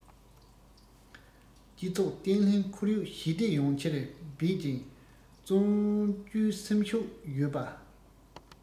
སྤྱི ཚོགས བརྟན ལྷིང ཁོར ཡུག ཞི བདེ ཡོང ཕྱིར འབད ཅིང བརྩོན རྒྱུའི སེམས ཤུགས ཡོད པ